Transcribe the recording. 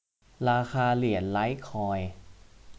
ราคาเหรียญไลท์คอยน์